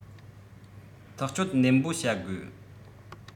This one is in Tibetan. ཐག གཅོད ནན པོ བྱ དགོས